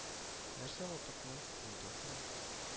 Нәрсә - мылтыкмы, винтовкамы